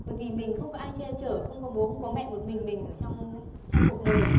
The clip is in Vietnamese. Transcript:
bởi vì mình không có ai che chở không có bố không có mẹ một mình mình ở trong trong cuộc đời